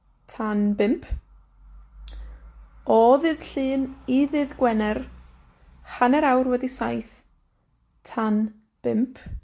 tan bump. O ddydd llun i ddydd Gwener, hanner awr wedi saith tan bump.